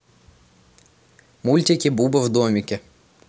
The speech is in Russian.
мультики буба в домике